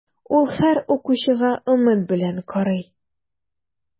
Ул һәр укучыга өмет белән карый.